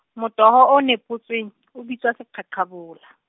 motoho o nepotsweng , o bitswa seqhaqhabola.